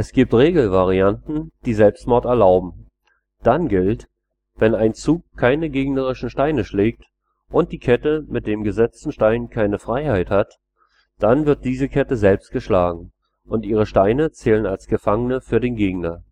gibt auch Regelvarianten, die Selbstmord erlauben. Dann gilt: wenn ein Zug keine gegnerischen Steine schlägt und die Kette mit dem gesetzten Stein keine Freiheit hat, dann wird diese Kette selbst geschlagen, und ihre Steine zählen als Gefangene für den Gegner